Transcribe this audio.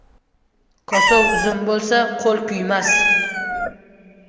kosov uzun bo'lsa qo'l kuymas